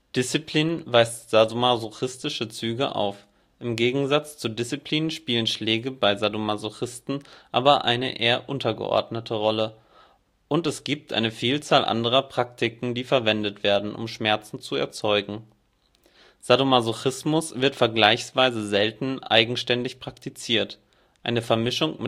Discipline weist sadomasochistische Züge auf. Im Gegensatz zu Discipline spielen Schläge bei Sadomasochisten aber eine eher untergeordnete Rolle, und es gibt eine Vielzahl anderer Praktiken, die verwendet werden, um Schmerzen zu erzeugen. Sadomasochismus wird vergleichsweise selten eigenständig praktiziert; eine Vermischung